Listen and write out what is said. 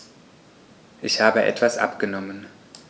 Ich habe etwas abgenommen.